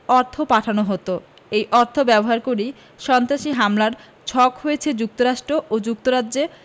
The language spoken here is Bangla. অর্থ পাঠানো হতো এই অর্থ ব্যবহার করেই সন্ত্রাসী হামলার ছক হয়েছে যুক্তরাষ্ট্র ও যুক্তরাজ্যে